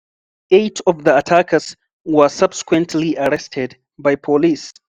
Eight of the attackers were subsequently arrested by police.